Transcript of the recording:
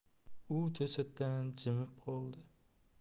u to'satdan jimib qoldi